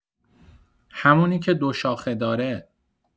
همونی که دو شاخه داره!